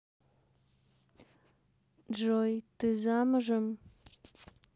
джой ты замужем